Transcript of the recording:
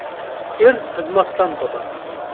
er xizmatdan topar